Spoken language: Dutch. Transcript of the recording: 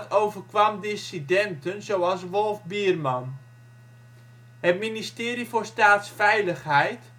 overkwam dissidenten zoals Wolf Bierman. Het Ministerie voor Staatsveiligheid